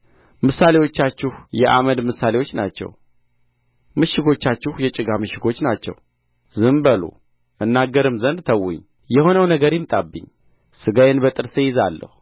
ምስሌዎቻችሁ የአመድ ምሳሌዎች ናቸው ምሽጎቻችሁ የጭቃ ምሽጎች ናቸው ዝም በሉ እናገርም ዘንድ ተዉኝ የሆነው ነገር ይምጣብኝ ሥጋዬን በጥርሴ እይዛለሁ